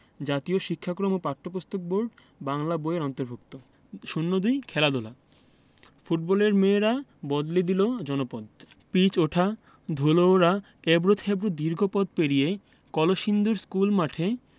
জাতীয় শিক্ষাক্রম ও পাঠ্যপুস্তক বোর্ড বাংলা বই এর অন্তর্ভুক্ত ০২ খেলাধুলা ফুটবলের মেয়েরা বদলে দিল জনপদ পিচ ওঠা ধুলো ওড়া এবড়োখেবড়ো দীর্ঘ পথ পেরিয়ে কলসিন্দুর স্কুলমাঠে